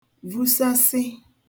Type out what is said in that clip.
vusasị